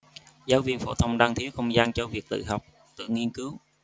giáo viên phổ thông đang thiếu không gian cho việc tự học tự nghiên cứu